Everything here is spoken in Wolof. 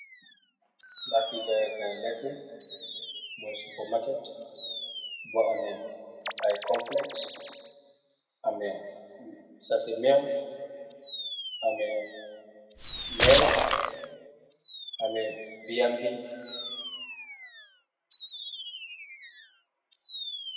Palasi gayeek ay lekk moy supermarket. Bo ame ay conflek ame sase meew ame B&B.